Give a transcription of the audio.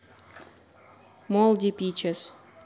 молди пичес